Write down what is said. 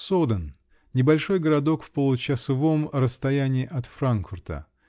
Соден -- небольшой городок в получасовом расстоянии от Франкфурта.